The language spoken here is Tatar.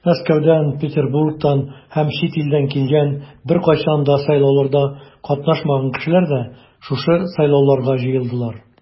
Мәскәүдән, Петербургтан һәм чит илдән килгән, беркайчан да сайлауларда катнашмаган кешеләр дә шушы сайлауларга җыелдылар.